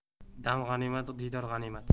dam g'animat diydor g'animat